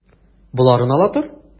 Боларын ала тор.